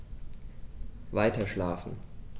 Weiterschlafen.